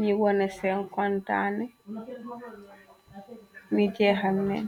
di wone sen kontaante ne jeexal neng.